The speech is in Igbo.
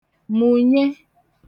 mụ̀nye